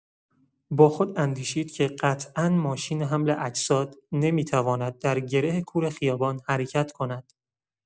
با خود اندیشید که قطعا ماشین حمل اجساد نمی‌تواند در گره کور خیابان حرکت کند.